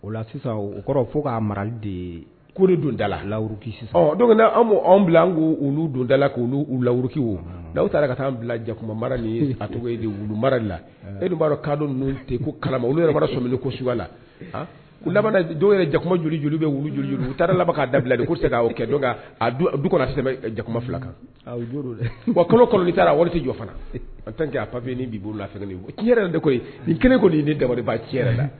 O sisan o kɔrɔ fo k'a de ye ko dun dala lauruki sisan don bila an' olu don dala la k laurukiw da taara ka taaan bila jakuma mara a tɔgɔ wulu mara de la edu b'a dɔn kadɔma olu yɛrɛ sɔm kosiwala dɔw yɛrɛ jakumaj joli bɛ wuluj u taara laban ka dabila tɛ kɛ jakuma fila kan wa kolo taara waati jɔ fana an a papi ni bi' la yɛrɛ de nin kelen kɔni ye ne dawa ci yɛrɛ la